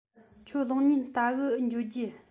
ཁྱོད གློག བརྙན བལྟ གི འགྱོ རྒྱུ